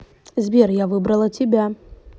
сбер я выбрала тебя